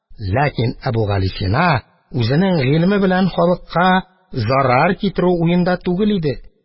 Ләкин Әбүгалисина үзенең гыйлеме белән халыкка зарар китерү уенда түгел иде